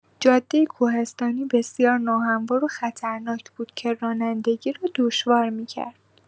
جاده کوهستانی بسیار ناهموار و خطرناک بود که رانندگی را دشوار می‌کرد.